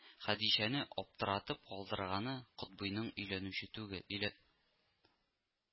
Хәдичәне аптыратып калдырганы Котбыйның өйләнүче түгел өйлә